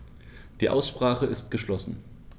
Die Aussprache ist geschlossen.